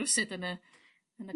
...ruwsud yn y yn y...